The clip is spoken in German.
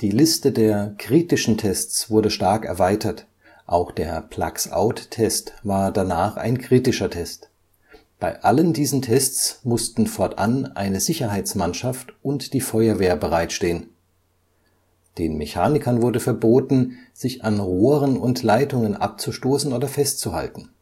Liste der „ kritischen “Tests wurde stark erweitert, auch der Plugs-Out-Test war danach ein kritischer Test. Bei allen diesen Tests mussten fortan eine Sicherheitsmannschaft und die Feuerwehr bereitstehen. Den Mechanikern wurde verboten, sich an Rohren und Leitungen abzustoßen oder festzuhalten